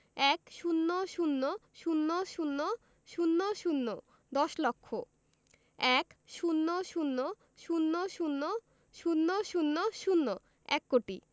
১০০০০০০ দশ লক্ষ ১০০০০০০০ এক কোটি